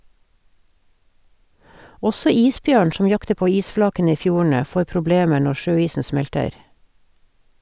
Også isbjørn som jakter på isflakene i fjordene får problemer når sjøisen smelter.